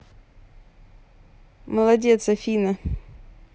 молодец афина